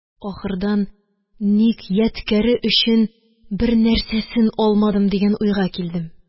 Ахырдан, ник ядкяре өчен бернәрсәсен алмадым, дигән уйга килдем.